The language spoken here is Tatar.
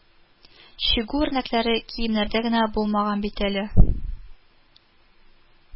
Чигү үрнәкләре киемнәрдә генә булмаган бит әле